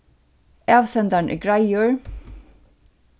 avsendarin er greiður